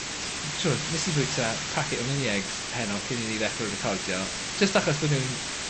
Ll- t'mod nes i fwyta packet o mini eggs heno cyn i ni ddechre recordio jyst achos bo' nw'n